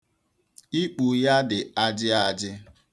Ikpu ya dị ajị ajị.